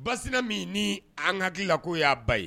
Baina min ni an hakili hakilila ko y'a ba ye